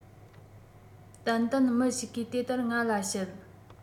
ཏན ཏན མི ཞིག གིས དེ ལྟར ང ལ བཤད